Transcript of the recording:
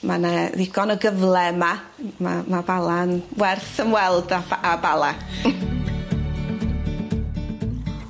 Ma' 'ne ddigon o gyfle yma m- ma' ma' Bala'n werth ymweld â ff- â Bala.